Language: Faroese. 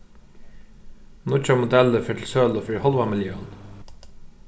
nýggja modellið fer til sølu fyri hálva millión